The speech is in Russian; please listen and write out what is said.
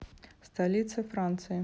столица франции